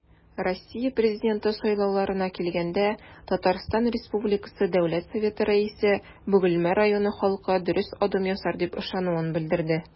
Россия Президенты сайлауларына килгәндә, ТР Дәүләт Советы Рәисе Бөгелмә районы халкы дөрес адым ясар дип ышануын белдерде.